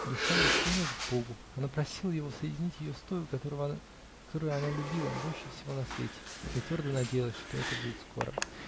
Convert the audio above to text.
Душа ее стремилась к Богу, она просила его соединить ее с тою, кого она любила больше всего на свете, и твердо надеялась, что это будет скоро.